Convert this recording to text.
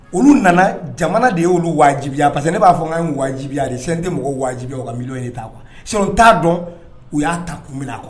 Olu nana jamana de y' olu wajibiya parce que ne b'a fɔ k'a 'u wajibiya ye de, CNT' _ mɔgɔw wajibiya u ka Maliɲɔn ta quoi sinon u t'a dɔn u y'a ta kun min na quoi